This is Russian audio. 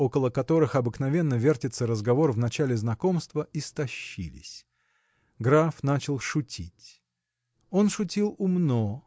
около которых обыкновенно вертится разговор в начале знакомства истощились. Граф начал шутить. Он шутил умно